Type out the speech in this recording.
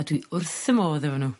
A dwi wrth 'ym modd efo n'w.